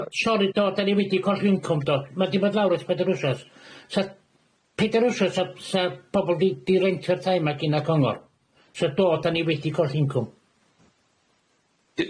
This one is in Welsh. Wel sori do 'dyn ni wedi colli incwm do ma' di bod lawr es pedar wsos. 'Sa pedair wsos 'sa 'sa pobol fi 'di reintio'r tai 'ma gin y cyngor so do 'dan ni wedi colli incwm.